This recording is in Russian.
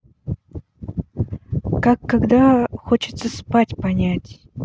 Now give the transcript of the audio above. как когда хочется спать понять